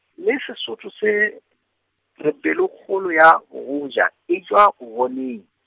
le Sesotho se, re pelokgolo ya bogoja, e tšwa go boneng.